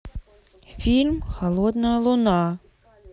фильм холодная луна